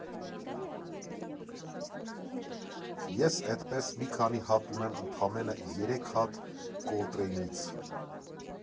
Ես էդպես մի քանի հատ ունեմ ընդամենը՝ երեք հատ Կոլտրեյնից։